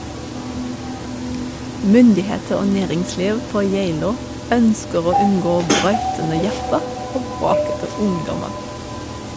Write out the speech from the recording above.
Myndigheter og næringsliv på Geilo ønsker å unngå brautende japper og bråkete ungdommer.